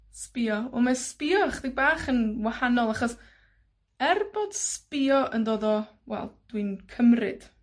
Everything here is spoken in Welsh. Sbïo, on' ma' sbïo chydig bach yn wahanol achos, er bod sbïo yn dod o, wel, dwi'n cymryd,